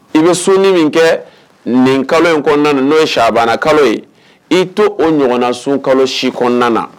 I bɛ sunni min kɛ nin kalo in kɔnɔna n'o ye Shabana kalo ye , i t'o ɲɔgɔn na sun kalo si kɔnɔna na0